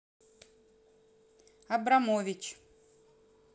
абрамович